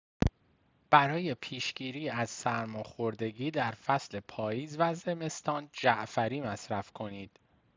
برای پیش‌گیری از سرماخوردگی در فصل پاییز و زمستان جعفری مصرف کنید!